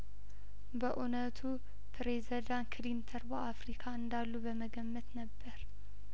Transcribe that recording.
በእውነቱ ፕሬዘዳንት ክሊንተን በአፍሪካ እንዳሉ በመገመት ነበር